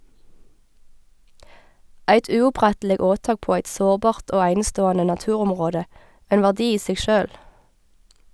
Eit uoppretteleg åtak på eit sårbart og eineståande naturområde, ein verdi i seg sjølv.